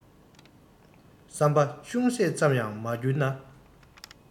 བསམ པ ཅུང ཟད ཙམ ཡང མ འགྱུར ན